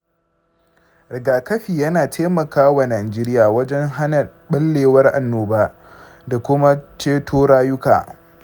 rigakafi yana taimaka wa najeriya wajen hana ɓallewar annoba da kuma ceton rayuka.